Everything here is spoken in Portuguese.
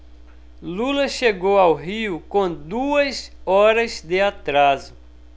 lula chegou ao rio com duas horas de atraso